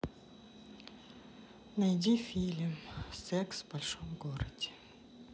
найди фильм секс в большом городе